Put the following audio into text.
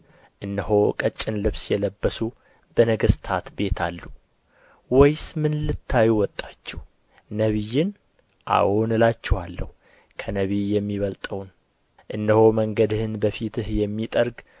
እነሆ ቀጭን ልብስ የለበሱ በነገሥታት ቤት አሉ ወይስ ምን ልታዩ ወጣችሁ ነቢይን አዎን እላችኋለሁ ከነቢይም የሚበልጠውን እነሆ መንገድህን በፊትህ የሚጠርግ